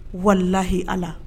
Walilahi ala